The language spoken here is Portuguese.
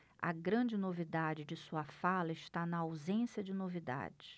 a grande novidade de sua fala está na ausência de novidades